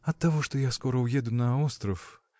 — Оттого, что я скоро уеду на остров.